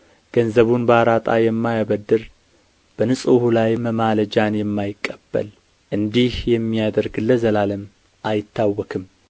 ገንዘቡን በአራጣ የማያበድር በንጹሑ ላይ መማለጃን የማይቀበል እንዲህ የሚያደርግ ለዘላለም አይታወክም